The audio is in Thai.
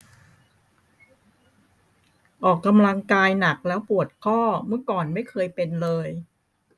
ออกกำลังกายหนักแล้วปวดข้อเมื่อก่อนไม่เคยเป็นเลย